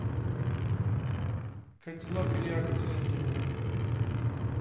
кадиллак реакция негры